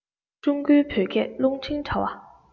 ཀྲུང གོའི བོད སྐད རླུང འཕྲིན དྲ བ